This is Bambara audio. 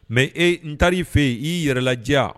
Mɛ e n tari fɛ yen y'i yɛrɛ diya